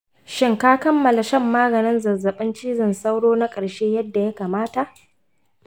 shin ka kammala shan maganin zazzabin cizon sauro na ƙarshe yadda ya kamata?